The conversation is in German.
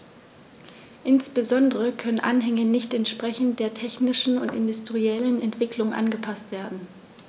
Insbesondere können Anhänge nicht entsprechend der technischen und industriellen Entwicklung angepaßt werden.